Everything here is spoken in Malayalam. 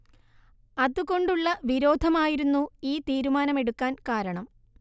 അതുകൊണ്ടുള്ള വിരോധമായിരുന്നു ഈ തീരുമാനമെടുക്കാൻ കാരണം